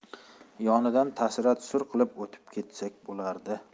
yonidan tasira tusur qilib o'tib ketsak bo'ladi